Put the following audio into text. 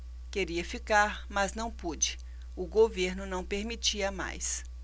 queria ficar mas não pude o governo não permitia mais